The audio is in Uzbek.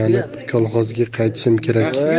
tayanib kolxozga qaytishim kerak